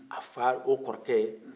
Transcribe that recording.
a fa o kɔrɔkɛ